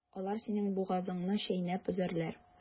Алар синең бугазыңны чәйнәп өзәрләр.